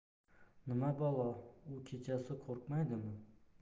nima balo u kechasi qo'rqmaydimi